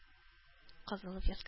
Кызыл веск